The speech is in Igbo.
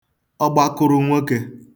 ọgbakụrụnwokē